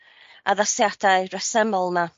addasiadau resymol 'ma.